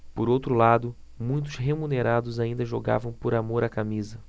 por outro lado muitos remunerados ainda jogavam por amor à camisa